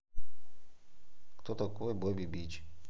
кто такой bobby bitch